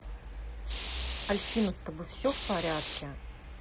альфина с тобой все в порядке